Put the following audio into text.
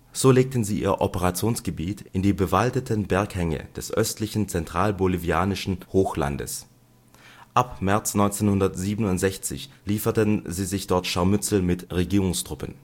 So legten sie ihr Operationsgebiet in die bewaldeten Berghänge des östlichen zentralbolivianischen Hochlandes. Ab März 1967 lieferten sie sich dort Scharmützel mit Regierungstruppen